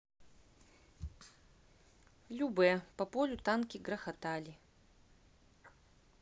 любэ по полю танки грохотали